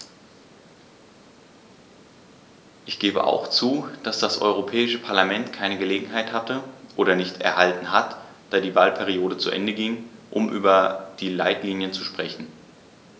Ich gebe auch zu, dass das Europäische Parlament keine Gelegenheit hatte - oder nicht erhalten hat, da die Wahlperiode zu Ende ging -, um über die Leitlinien zu sprechen.